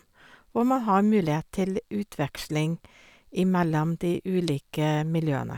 Og man har mulighet til utveksling imellom de ulike miljøene.